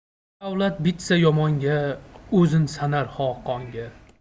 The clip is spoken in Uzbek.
davlat bitsa yomonga o'zin sanar xoqonga